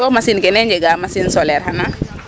So machine ke ne njega machine solaire xana ?